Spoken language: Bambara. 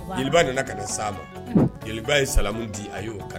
Jeliba nana ka sa ma jeliba ye samu di a y yeo kari